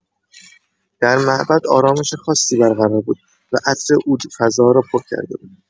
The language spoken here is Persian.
در معبد آرامش خاصی برقرار بود و عطر عود فضا را پر کرده بود.